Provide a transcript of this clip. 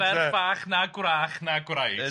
'Na merch fach na gwrach na Gwraig'!